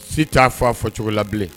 Si t'a fɔ a fɔcogo la bilen